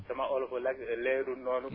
sama olof nag leerul noonu